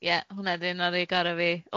Ie, hwnna di un o rei gora fi.